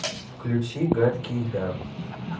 включи гадкий я